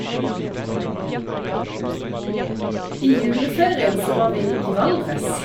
I juleferien så var vi i Valdres.